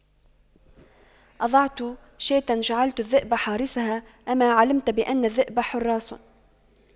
أضعت شاة جعلت الذئب حارسها أما علمت بأن الذئب حراس